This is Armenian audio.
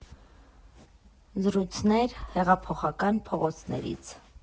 Զրույցներ՝ հեղափոխական փողոցներից։